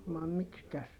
vai miksikäs